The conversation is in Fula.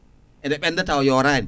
ene ɓenda taw yoorani